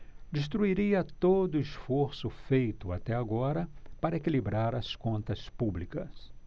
destruiria todo esforço feito até agora para equilibrar as contas públicas